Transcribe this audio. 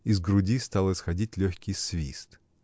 Из груди стал исходить легкий свист.